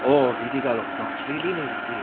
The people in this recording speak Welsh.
O, fi 'di gael wythnos rili lazy.